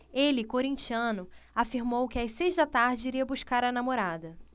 ele corintiano afirmou que às seis da tarde iria buscar a namorada